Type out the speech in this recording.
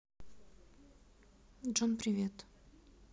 джон привет